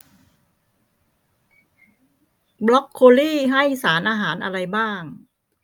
บล็อคโคลี่ให้สารอาหารอะไรบ้าง